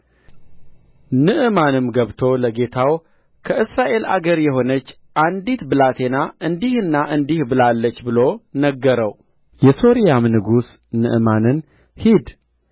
የንዕማንንም ሚስት ታገለግል ነበር እመቤትዋንም ጌታዬ በሰማርያ ካለው ከነቢዩ ፊት ቢደርስ ኖሮ ከለምጹ በፈወሰው ነበር አለቻት